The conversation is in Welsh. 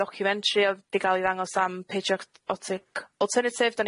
dociwmentyri o'dd 'di ga'l 'i ddangos am pediat-otic olternytif 'dan